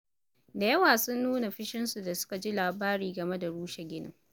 Da yawa sun nuna fushinsu da suka ji labari game da rushe ginin.